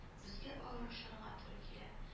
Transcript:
Безгә аерышырга туры килә